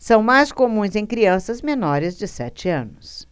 são mais comuns em crianças menores de sete anos